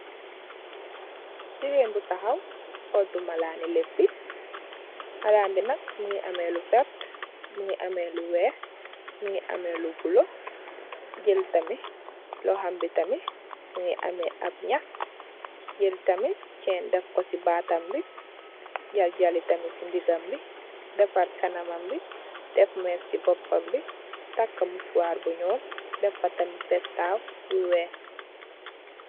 Jigeen bu taxaw oodu malan ni leepbi malan bi nak mogi ame lu vert mogi ame lu weex mogi ame lu bulo jel tamit loxombi tamit mogi ame ab nhaax jel tamit chain tamit def ko si batam bi jel tamit jajali si ndegam defar kanambi def mess si bopam bi taka musuwar bu nuul taka petaw yu weex.